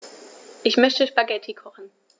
Ich möchte Spaghetti kochen.